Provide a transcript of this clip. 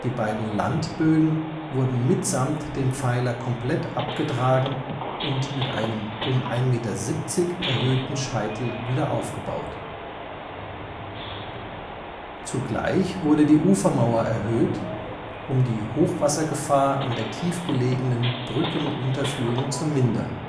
beiden Landbögen wurden mitsamt dem Pfeiler komplett abgetragen und mit einem um 1,70 Meter erhöhten Scheitel wiederaufgebaut. Zugleich wurde die Ufermauer erhöht, um die Hochwassergefahr an der tief gelegenen Brückenunterführung zu mindern